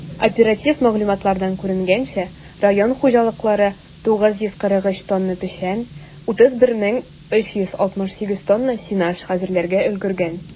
Оператив мәгълүматлардан күренгәнчә, район хуҗалыклары 943 тонна печән, 31368 тонна сенаж хәзерләргә өлгергән.